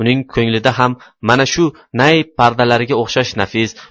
uning ko'nglida ham mana shu nay pardalariga o'xshash nafis